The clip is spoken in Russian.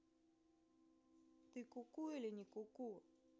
ты ку ку или не ку ку